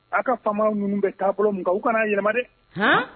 Aw ka faamaw ninnu bɛ taabolo mun u kana yɛlɛma dɛ